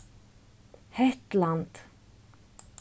hetland